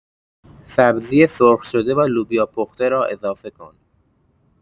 سبزی سرخ‌شده و لوبیا پخته را اضافه کن.